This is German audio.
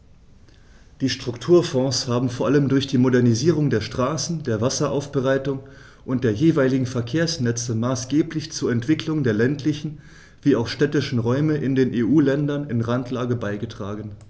Die Strukturfonds haben vor allem durch die Modernisierung der Straßen, der Wasseraufbereitung und der jeweiligen Verkehrsnetze maßgeblich zur Entwicklung der ländlichen wie auch städtischen Räume in den EU-Ländern in Randlage beigetragen.